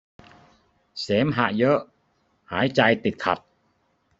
เสมหะเยอะหายใจติดขัด